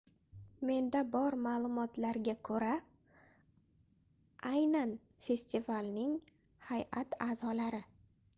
menda bor ma'lumotlarga ko'ra aynan festivalning hay'at a'zolari